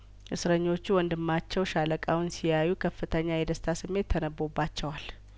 እስረኞቹ ወንድማቸው ሻለቃውን ሲያዩ ከፍተኛ የደስታ ስሜት ተነቦባቸዋል